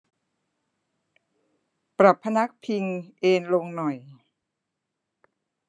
ปรับพนักพิงเอนลงหน่อย